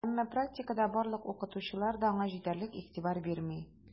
Әмма практикада барлык укытучылар да аңа җитәрлек игътибар бирми: